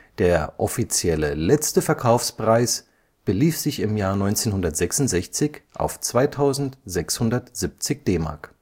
Der offizielle letzte Verkaufspreis belief sich im Jahr 1966 auf 2670 DM